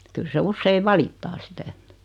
kyllä se usein valittaa sitä että